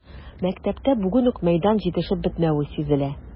Мәктәптә бүген үк мәйдан җитешеп бетмәве сизелә.